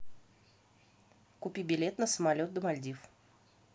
купи билет на самолет до мальдив